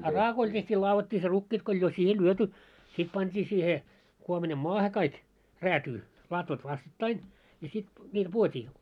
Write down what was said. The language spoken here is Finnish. a raakoilla tehtiin ladottiin se rukiit kun oli jo siihen lyöty sitten pantiin siihen kuominamaahan kaikki räätyyn latvat vastakkain ja sitten niillä puitiin